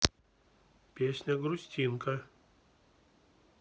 песня грустинка